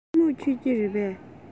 ཤ མོག མཆོད ཀྱི རེད པས